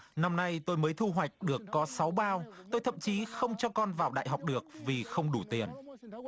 năm nay tôi mới thu hoạch được có sáu bao tôi thậm chí không cho con vào đại học được vì không đủ tiền